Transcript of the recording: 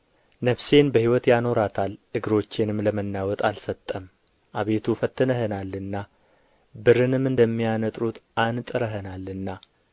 ነፍሴን በሕይወት ያኖራታል እግሮቼንም ለመናወጥ አልሰጠም አቤቱ ፈትነኸናልና ብርንም እንደሚያነጥሩት አንጥረኸናልና